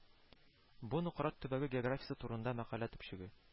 Бу Нократ төбәге географиясе турында мәкалә төпчеге